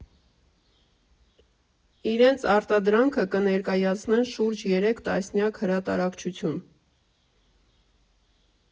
Իրենց արտադրանքը կներկայացնեն շուրջ երեք տասնյակ հրատարակչություն։